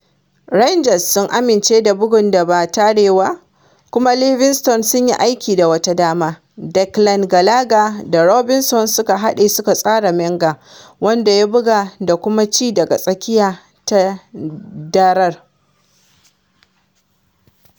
Rangers sun amince da bugun da ba tarewa kuma Livingston suka yi aiki da wata dama, Declan Gallagher da Robinson suka haɗe suka tsara Menga, wanda ya buga da kuma ci daga tsakiya ta da'rar.